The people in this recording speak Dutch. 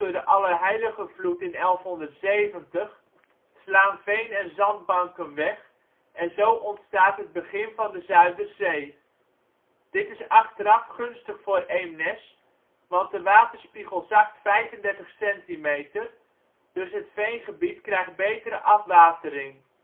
de Allerheiligenvloed in 1170 slaan veen - en zandbanken weg en zo ontstaat het begin van de Zuiderzee. Dit is achteraf gunstig voor Eemnes, want de waterspiegel zakt 35cm dus het veengebied krijgt betere afwatering